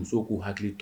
Muso k'u hakili tɔ